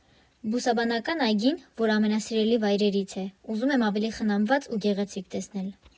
Բուսաբանական այգին, որ ամենասիրելի վայրերից է, ուզում եմ ավելի խնամված ու գեղեցիկ տեսնել։